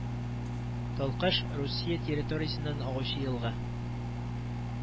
Талкаш Русия территориясеннән агучы елга